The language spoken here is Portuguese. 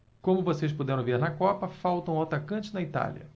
como vocês puderam ver na copa faltam atacantes na itália